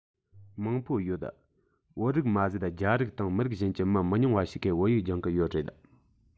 མང པོ ཡོད བོད རིགས མ ཟད རྒྱ རིགས དང མི རིགས གཞན གྱི མི མི ཉུང བ ཞིག གིས བོད ཡིག སྦྱོང གི ཡོད རེད